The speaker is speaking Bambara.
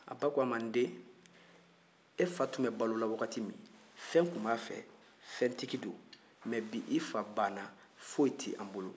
a ba ko a ma n den e fa tun bɛ balola waati min fɛn tun b'a fɛ fɛntigi don mɛ bi i fa banna foyi tɛ an bolo